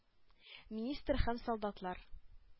Министр һәм солдатлар: